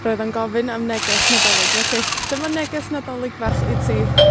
Roedd yn gofyn am neges Nadolig, felly dyma neges Nadolig fach i ti...